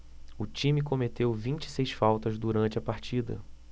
o time cometeu vinte e seis faltas durante a partida